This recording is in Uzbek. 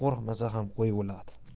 qo'rqmasa ham qo'y o'ladi